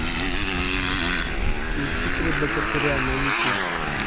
включи три богатыря на ютюб